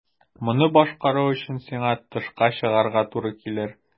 Моны башкару өчен сиңа тышка чыгарга туры килер.